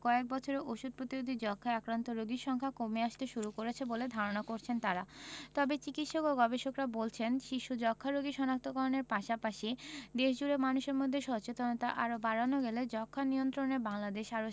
কয়েক বছরে ওষুধ প্রতিরোধী যক্ষ্মায় আক্রান্ত রোগীর সংখ্যা কমে আসতে শুরু করেছে বলে ধারণা করছেন তারা তবে চিকিৎসক ও গবেষকরা বলছেন শিশু যক্ষ্ণারোগী শনাক্ত করণের পাশাপাশি দেশজুড়ে মানুষের মধ্যে সচেতনতা আরও বাড়ানো গেলে যক্ষ্মানিয়ন্ত্রণে বাংলাদেশ আরও